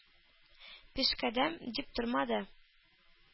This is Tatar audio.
Пишкадәм дип тормады.